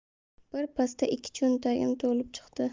birpasda ikki cho'ntagim to'lib chiqdi